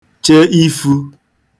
che ifū